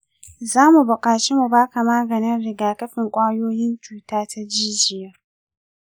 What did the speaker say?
zamu bukaci mu baka maganin rigakafin kwayoyin cuta ta jijiya.